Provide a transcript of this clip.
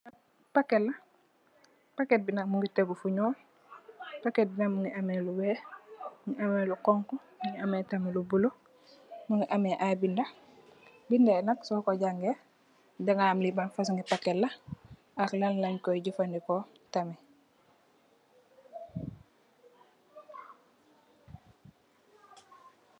Paket la, paket bi nak mingi tegge fu nyuul, paket bi nak mingi ame lu weex, mingi ame lu xonxu, mingi ame tamit lu bula, mingi ame ay binda, binda yi nak soko jange, dangay ham li ban fason ngi paket la, ak lan leenj ko jafandiko tamit,